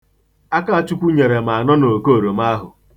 Akachukwu nyere m anọnoke oroma ahụ.